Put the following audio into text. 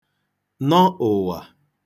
nọ ụ̀wà